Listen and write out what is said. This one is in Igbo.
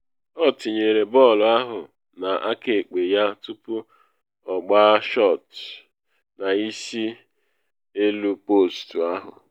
O tinyere bọọlụ ahụ n’akaekpe ya tupu ọ gbaa shọt n’isi elu postu ahụ.